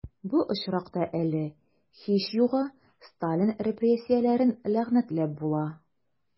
Бу очракта әле, һич югы, Сталин репрессияләрен ләгънәтләп була...